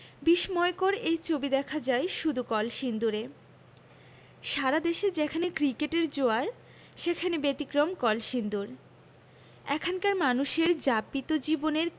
বিস্ময়কর এই ছবি দেখা যায় শুধু কলসিন্দুরে সারা দেশে যেখানে ক্রিকেটের জোয়ার সেখানে ব্যতিক্রম কলসিন্দুর এখানকার মানুষের যাপিত জীবনের